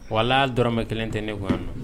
Walayi hali dɔrɔmɛ kelen tɛ ne kun yan nɔn.